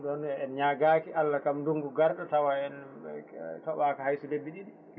ɗonne en ñagaki Allah kam ndugnngu garɗo tawa en tooɓaka hayso lebbi ɗiɗi